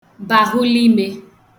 bàhụlime